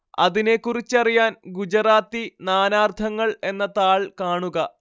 അതിനെക്കുറിച്ചറിയാൻ ഗുജറാത്തി നാനാർത്ഥങ്ങൾ എന്ന താൾ കാണുക